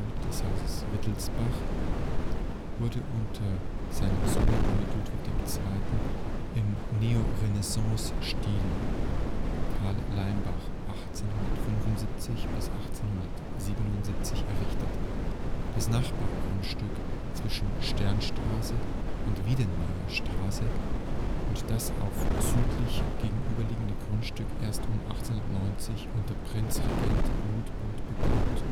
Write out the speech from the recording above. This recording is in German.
des Hauses Wittelsbach, wurde unter seinen Sohn König Ludwigs II. im Neorenaissancestil (Carl Leimbach, 1875 – 1877) errichtet; das Nachbargrundstück zwischen Sternstraße und Widenmayerstraße und das auf südlich gegenüberliegende Grundstück erst um 1890 unter Prinzregent Luitpold bebaut